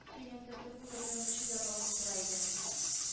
-көянтәсен күтәргән мөршидә балкып тора иде